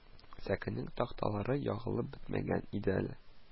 Сәкенең такталары ягылып бетмәгән иде әле